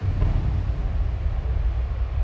форд против фокуса